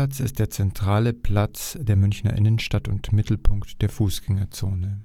ist der zentrale Platz der Münchner Innenstadt und Mittelpunkt der Fußgängerzone